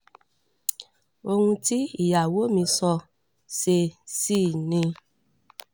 ”Ohun tí ìyàwó mi sọ ṣè ṣì ni.